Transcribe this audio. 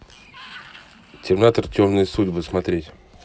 терминатор темные судьбы смотреть